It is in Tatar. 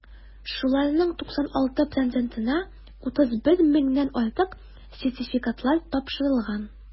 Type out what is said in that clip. Шуларның 96 процентына (31 меңнән артык) сертификатлар тапшырылган.